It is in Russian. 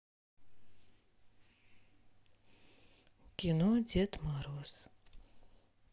кино дед мороз